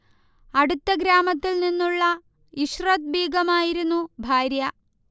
അടുത്ത ഗ്രാമത്തിൽ നിന്നുള്ള ഇശ്റത് ബീഗമായിരുന്നു ഭാര്യ